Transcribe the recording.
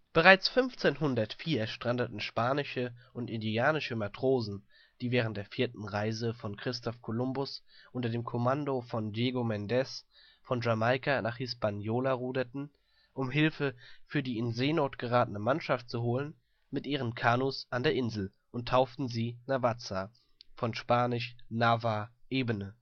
Bereits 1504 strandeten spanische und indianische Matrosen, die während der Vierten Reise von Christoph Kolumbus unter dem Kommando von Diego Méndez von Jamaika nach Hispaniola ruderten, um Hilfe für die in Seenot geratene Mannschaft zu holen, mit ihren Kanus an der Insel und tauften sie Navaza (von span. Nava = Ebene